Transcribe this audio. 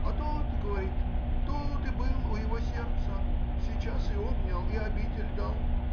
— А тот,— говорит,— тут и был у его сердца: сейчас и обнял и обитель дал.